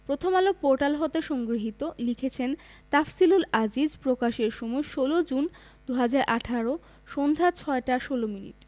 Prothom Alo portal হতে সংগৃহীত লিখেছেন তাফসিলুল আজিজ প্রকাশের সময় ১৬জুন ২০১৮ সন্ধ্যা ৬টা ১৬ মিনিট